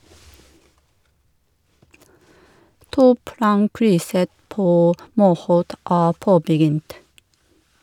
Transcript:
Toplankrysset på Morholt er påbegynt.